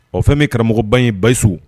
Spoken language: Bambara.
O fɛn min ye karamɔgɔba in ye Bayusu